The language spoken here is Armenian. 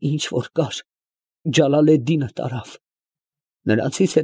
Ինչ որ կար տարավ Ջալալեդդինը, նրանցից։